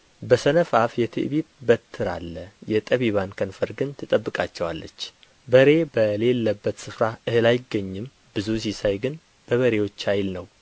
በሰነፍ አፍ የትዕቢት በትር አለ የጠቢባን ከንፈር ግን ትጠብቃቸዋለች በሬ በሌለበት ስፍራ እህል አይገኝም ብዙ ሲሳይ ግን በበሬዎች ኃይል ነው